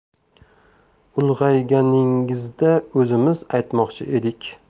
ulg'ayganingizda o'zimiz aytmoqchi edik